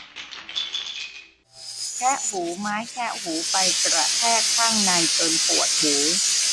แคะหูไม้แคะหูไปกระแทกข้างในจนปวดหู